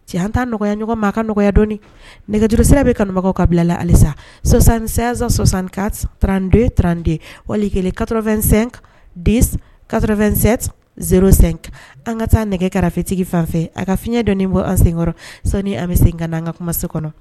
Cɛ an ta nɔgɔyaya ɲɔgɔn ma ka nɔgɔyaya dɔnnii nɛgɛjuru sira bɛ kanubagaw ka bila la halisa sɔsansan sɔsan ka trante trante walikelen kato2sɛn de kato2sɛzro sen an ka taa nɛgɛkarafetigi fan fɛ a ka fiɲɛ dɔn bɔ an senkɔrɔ sani an bɛ sen ka n' an ka kumasen kɔnɔ